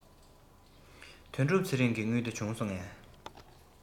དོན གྲུབ ཚེ རིང གི དངུལ དེ བྱུང སོང ངས